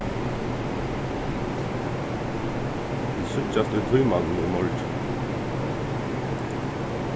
vit síggjast í tímanum í morgin